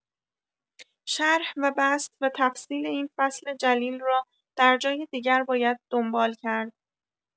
شرح و بسط و تفصیل این فصل جلیل را در جای دیگر باید دنبال کرد.